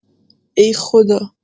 ای خدا